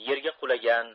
yerga qulagan